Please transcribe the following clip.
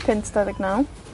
punt dau ddeg naw.